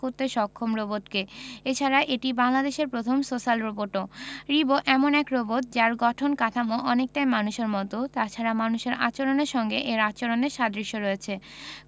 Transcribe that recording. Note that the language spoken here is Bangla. করতে সক্ষম রোবটকে এছাড়া এটি বাংলাদেশের প্রথম সোশ্যাল রোবটও রিবো এমন এক রোবট যার গঠন কাঠামো অনেকটাই মানুষের মতো তাছাড়া মানুষের আচরণের সঙ্গে এর আচরণের সাদৃশ্য রয়েছে